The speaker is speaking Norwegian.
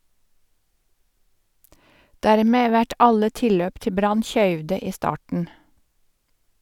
Dermed vert alle tilløp til brann køyvde i starten.